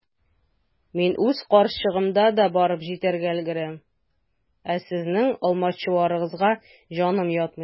Мин үз карчыгымда да барып җитәргә өлгерәм, ә сезнең алмачуарыгызга җаным ятмый.